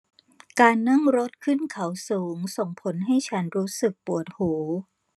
การนั่งรถขึ้นเขาสูงส่งผลให้ฉันรู้สึกปวดหู